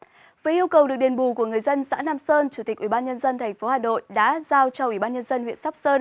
với yêu cầu được đền bù của người dân xã nam sơn chủ tịch ủy ban nhân dân thành phố hà nội đã giao cho ủy ban nhân dân huyện sóc sơn